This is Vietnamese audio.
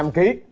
năm ký